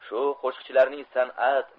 shu qo'shiqchilarning sanat